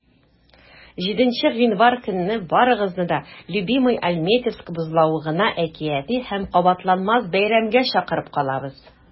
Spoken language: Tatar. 7 гыйнвар көнне барыгызны да "любимыйальметьевск" бозлавыгына әкияти һәм кабатланмас бәйрәмгә чакырып калабыз!